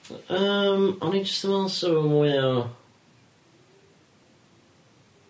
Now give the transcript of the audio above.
Yym o'n i jyst yn me'wl sa fo'n mwy o